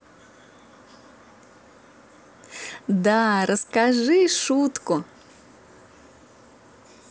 да расскажи шутку